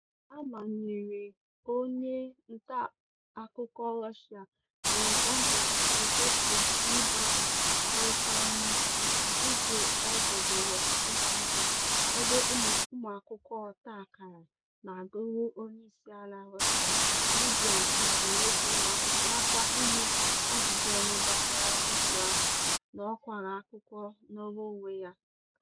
A manyere onye ntaakụkọ Russia Alexandra Terikova ịgba arụkwaghịm maka vidiyo o bugoro na Instagram ebe ụmụakwụkwọ ọta akara na-agụrụ onyeisiala Russia Vladimir Putin egwu nakwa ịnye ajụjụọnụ gbasara vidiyo ahụ n'ọwara akụkọ nọọrọ onwe ya.